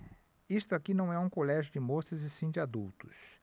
isto aqui não é um colégio de moças e sim de adultos